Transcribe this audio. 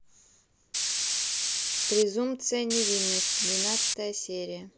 презумпция невиновности двенадцатая серия